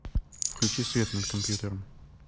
включи свет над компьютером